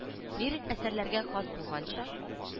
Лирик әсәрләргә хас булганча